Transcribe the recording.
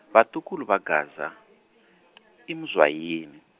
vatukulu va Gaza , hi Muzwayine.